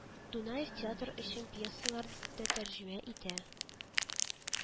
Дунаев театр өчен пьесалар да тәрҗемә итә